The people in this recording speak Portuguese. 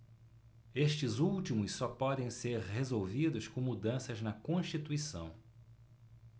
estes últimos só podem ser resolvidos com mudanças na constituição